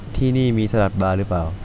ที่นี่มีสลัดบาร์หรือเปล่า